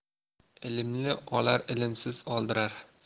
ilmli olar ilmsiz oldirar